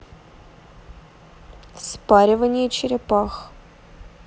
спаривание черепах